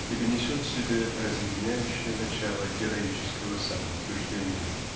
ибо несет в себе разъединяющее начало героического самоутверждения.